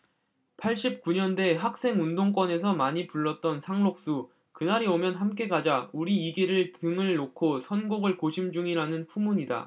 팔십 구십 년대 학생운동권에서 많이 불렸던 상록수 그날이 오면 함께 가자 우리 이 길을 등을 놓고 선곡을 고심 중이라는 후문이다